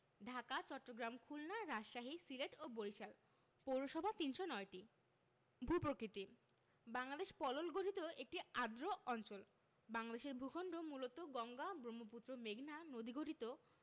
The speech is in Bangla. ঢাকা চট্টগ্রাম খুলনা রাজশাহী সিলেট ও বরিশাল পৌরসভা ৩০৯টি ভূ প্রকৃতিঃ বাংলদেশ পলল গঠিত একটি আর্দ্র অঞ্চল বাংলাদেশের ভূখন্ড মূলত গঙ্গা ব্রহ্মপুত্র মেঘনা নদীগঠিত